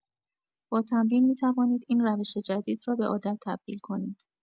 با تمرین می‌توانید این روش جدید را به عادت تبدیل کنید.